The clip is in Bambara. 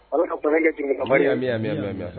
amina, amina.